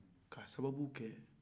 k'a sababu kɛ